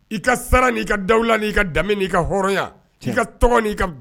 I ka sara ni ka dawuwula ka ka hɔrɔnya' ka